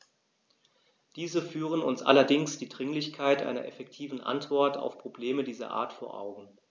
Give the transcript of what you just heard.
Diese führen uns allerdings die Dringlichkeit einer effektiven Antwort auf Probleme dieser Art vor Augen.